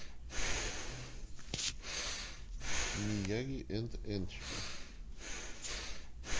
мияги энд эндшпиль